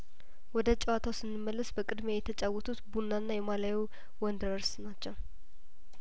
ወደ ጨዋታው ስንመለስ በቅድሚያ የተጫወቱት ቡናና የማላዊውዋን ደረርስ ናቸው